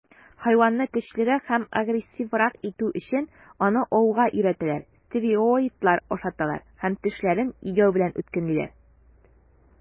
Хайванны көчлерәк һәм агрессиврак итү өчен, аны ауга өйрәтәләр, стероидлар ашаталар һәм тешләрен игәү белән үткенлиләр.